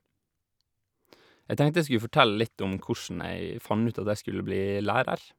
Jeg tenkte jeg skulle fortelle litt om kossen jeg fant ut at jeg skulle bli lærer.